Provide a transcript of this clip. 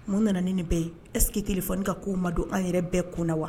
Mun nana ni ni bɛ ye est ce que téléphone ka kow ma don an yɛrɛ bɛɛ kun na wa?